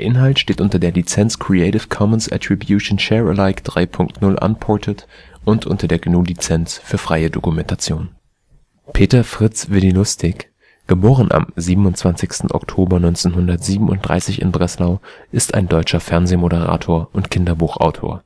Inhalt steht unter der Lizenz Creative Commons Attribution Share Alike 3 Punkt 0 Unported und unter der GNU Lizenz für freie Dokumentation. Peter Lustig im Oktober 2005 Peter Fritz Willi Lustig (* 27. Oktober 1937 in Breslau) ist ein deutscher Fernsehmoderator und Kinderbuchautor.